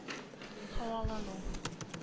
Һавалану